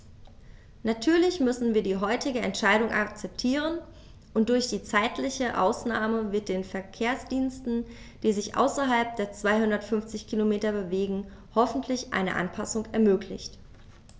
Natürlich müssen wir die heutige Entscheidung akzeptieren, und durch die zeitliche Ausnahme wird den Verkehrsdiensten, die sich außerhalb der 250 Kilometer bewegen, hoffentlich eine Anpassung ermöglicht.